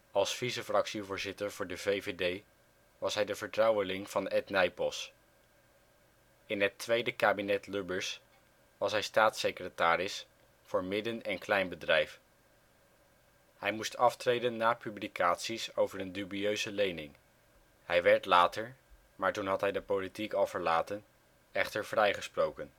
Als vicefractievoorzitter was hij de vertrouweling van Ed Nijpels. In het tweede kabinet-Lubbers was hij staatssecretaris voor Midden - en Kleinbedrijf. Hij moest aftreden na publicaties over een dubieuze lening. Hij werd later - maar toen had hij de politiek al verlaten - echter vrijgesproken